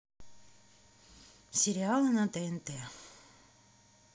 сериалы на тнт